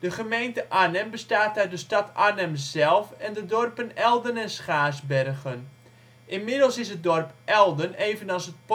gemeente Arnhem bestaat uit de stad Arnhem zelf en de dorpen Elden en Schaarsbergen. Inmiddels is het dorp Elden evenals